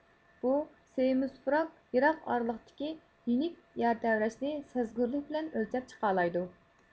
بۇ سېيسموگراف يىراق ئارىلىقتىكى يىنىك يەر تەۋرەشنى سەزگۈرلۈك بىلەن ئۆلچەپ چىقالايدۇ